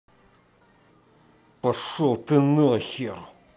пошел ты нахер